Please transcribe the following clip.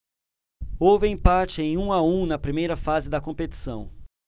houve empate em um a um na primeira fase da competição